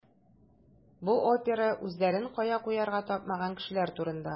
Бу опера үзләрен кая куярга тапмаган кешеләр турында.